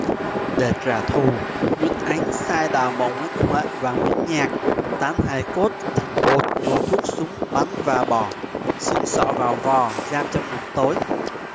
để trả thù nguyễn ánh sai đào mộ nguyễn huệ và nguyễn nhạc tán hài cốt thành bột nhồi thuốc súng bắn và bỏ xương sọ vào vò giam trong ngục tối